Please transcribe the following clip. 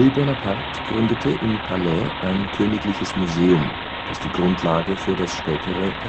Bonaparte gründete im Palais ein Königliches Museum, das die Grundlage für das spätere